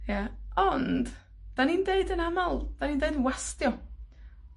Ie, ond, 'dan ni'n deud yn amal, 'dan ni'n deud wastio.